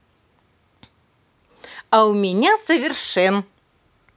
а у меня совершен